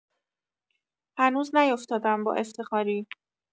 هنوز نیوفتادم با افتخاری